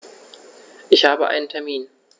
Ich habe einen Termin.